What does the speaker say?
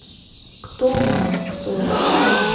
кто мама кто это